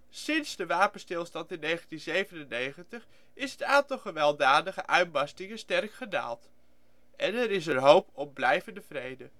Sinds de wapenstilstand uit 1997 is het aantal gewelddadige uitbarstingen sterk gedaald, en is er hoop op een blijvende vrede